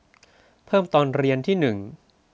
เพิ่มตอนเรียนที่หนึ่ง